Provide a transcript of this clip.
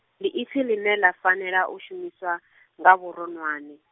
ndi ipfi ḽine ḽa fanela u shumiswa, nga vhuronwane.